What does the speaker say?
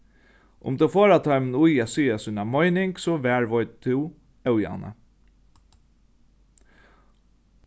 um tú forðar teimum í at siga sína meining so varðveitir tú ójavna